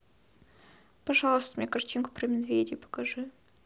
пожалуйста мне картинку про медведей покажи